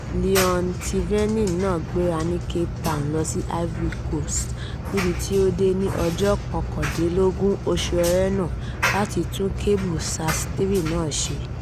Leon Thevenin náà gbéra ní Cape Town lọ sí Ivory Coast, níbi tí ó dé ní ọjọ́ 29 oṣù Ẹrẹ́nà láti tún kébù SAT-3 náà ṣe.